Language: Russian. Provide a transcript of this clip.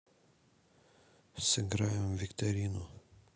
сыграем в викторину